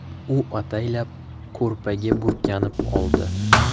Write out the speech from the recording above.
u ataylab ko'rpaga burkanib oldi